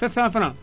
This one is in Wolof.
sept cent